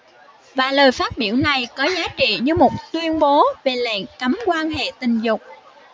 và lời phát biểu này có giá trị như một tuyên bố về lệnh cấm quan hệ tình dục